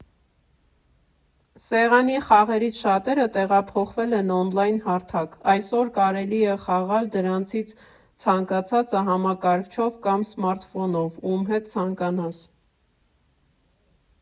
Սեղանի խաղերից շատերը տեղափոխվել են օնլայն֊հարթակ՝ այսօր կարելի է խաղալ դրանցից ցանկացածը համակարգչով կամ սմարթֆոնով՝ ում հետ ցանկանաս։